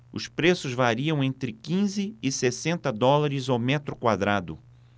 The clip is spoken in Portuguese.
os preços variam entre quinze e sessenta dólares o metro quadrado